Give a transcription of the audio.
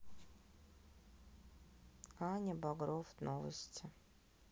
аня богров новости